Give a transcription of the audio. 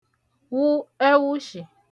wụ ẹwụshị̀